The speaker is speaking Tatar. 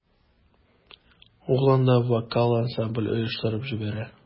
Ул анда вокаль ансамбль оештырып җибәрә.